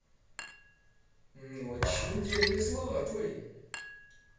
очень дельные слова твои